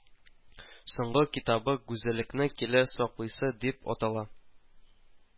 Соңгы китабы Гүзәллекне килә саклыйсы дип атала